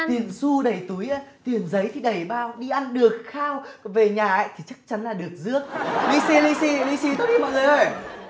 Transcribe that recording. tiền xu đầy túi á tiền giấy thì đầy bao đi ăn được khao còn về nhà thì chắc chắn được rước lì xì lì xì lì xì tôi đi mọi người ơi